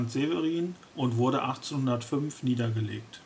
Severin und wurde 1805 niedergelegt